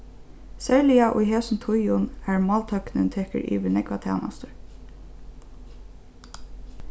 serliga í hesum tíðum har máltøknin tekur yvir nógvar tænastur